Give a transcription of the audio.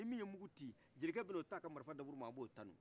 ni min ye mugu ci jelikɛ bin'o t'aka marifa daburuma a b'o tanu